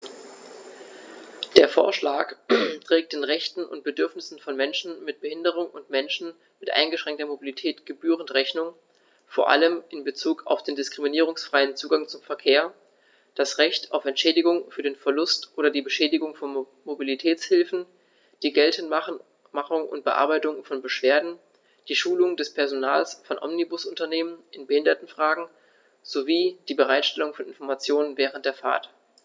Der Vorschlag trägt den Rechten und Bedürfnissen von Menschen mit Behinderung und Menschen mit eingeschränkter Mobilität gebührend Rechnung, vor allem in Bezug auf den diskriminierungsfreien Zugang zum Verkehr, das Recht auf Entschädigung für den Verlust oder die Beschädigung von Mobilitätshilfen, die Geltendmachung und Bearbeitung von Beschwerden, die Schulung des Personals von Omnibusunternehmen in Behindertenfragen sowie die Bereitstellung von Informationen während der Fahrt.